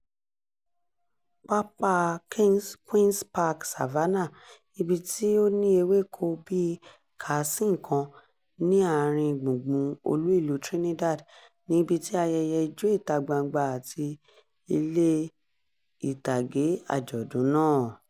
Pápáa Queen's Park Savannah, ibi tí ó ní ewéko bíi kàá-sí-nǹkan ní àárín gbùngbùn olú ìlú Trinidad, ni ibi tí ayẹyẹ Ijó ìta-gbangba àti ilé ìtàgé àjọ̀dún náà.